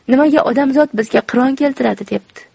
nimaga odamzod bizga qiron keltiradi debdi